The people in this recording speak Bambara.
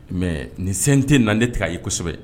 Mais nin CNT in na ne tɛ k'a ye kosɛbɛ